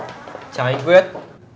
chào anh quyết